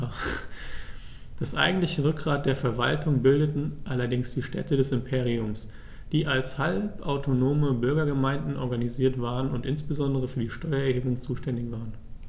Das eigentliche Rückgrat der Verwaltung bildeten allerdings die Städte des Imperiums, die als halbautonome Bürgergemeinden organisiert waren und insbesondere für die Steuererhebung zuständig waren.